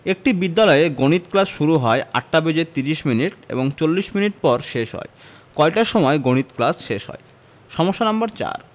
একটি বিদ্যালয়ে গণিত ক্লাস শুরু হয় ৮টা বেজে ৩০ মিনিট এবং ৪০ মিনিট পর শেষ হয় কয়টার সময় গণিত ক্লাস শেষ হয় সমস্যা নাম্বার ৪